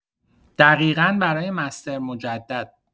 دقیقا برای مستر مجدد